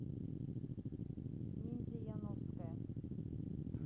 ниндзя яновская